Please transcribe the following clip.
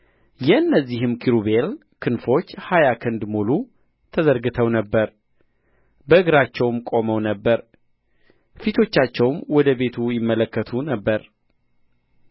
የእነዚህም ኪሩቤል ክንፎች ሀያ ክንድ ሙሉ ተዘርግተው ነበር በእግራቸውም ቆመው ነበር ፊቶቻቸውም ወደ ቤቱ ይመለከቱ ነበር